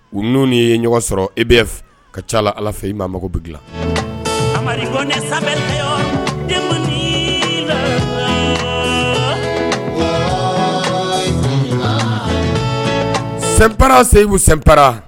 U ninnu ye ɲɔgɔn sɔrɔ i bɛ ka ca la ala fɛ i'a mago bila sen pa se sen para